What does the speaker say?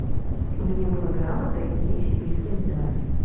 у меня была грамота и серебристая медаль